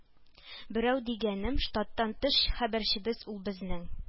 Берәү дигәнем,- штаттан тыш хәбәрчебез ул безнең